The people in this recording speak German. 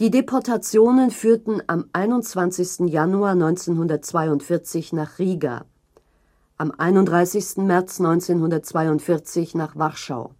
Deportationen führten am 21. Januar 1942 nach Riga, am 31. März 1942 nach Warschau